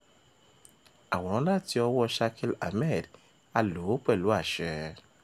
Àwòrán láti ọwọ́ọ Shakil Ahmed, a lò ó pẹlú àṣẹ.